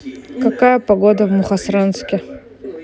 какая погода в мухосранске